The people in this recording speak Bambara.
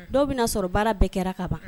Dɔw bɛna na sɔrɔ baara bɛɛ kɛra kaban